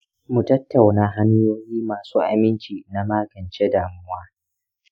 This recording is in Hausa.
mu tattauna hanyoyi masu aminci na magance damuwa.